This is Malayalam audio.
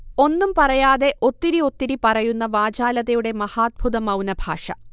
ഒന്നും പറയാതെ ഒത്തിരിയൊത്തിരി പറയുന്ന വാചാലതയുടെ മഹാദ്ഭുത മൗനഭാഷ